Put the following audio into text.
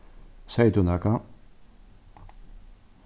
segði tú nakað